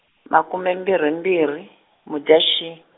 makume mbirhi mbirhi, Mudyaxi-.